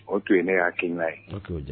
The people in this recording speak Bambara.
O tun ye ne y'a kɛ' ye t too jan